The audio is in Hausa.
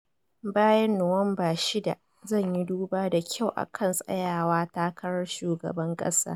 “Bayan Nuwamba 6, Zan yi duba da kyau akan tsayawa takarar shugaban kasa .”